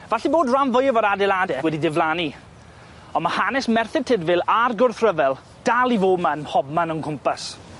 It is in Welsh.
Falle bod ran fwyaf o'r adeilade wedi diflannu, on' ma' hanes Merthyr Tydfil a'r gwrthryfel dal i fo' ma' ymhobman o'n cwmpas.